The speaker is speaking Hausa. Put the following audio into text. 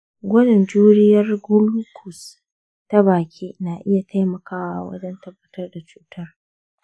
gwajin juriyar glucose ta baki na iya taimakawa wajen tabbatar da cutar.